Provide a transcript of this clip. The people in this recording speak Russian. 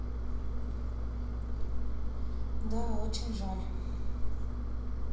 да очень жаль